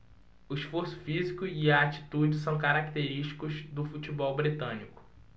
o esforço físico e a atitude são característicos do futebol britânico